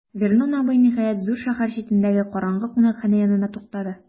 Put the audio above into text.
Вернон абый, ниһаять, зур шәһәр читендәге караңгы кунакханә янында туктады.